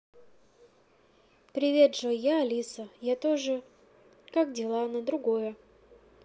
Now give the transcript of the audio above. привет джой я алиса я тоже как дела на другое